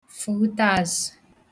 fùghutaàzụ